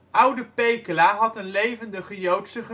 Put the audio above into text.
Oude Pekela had een levendige Joodse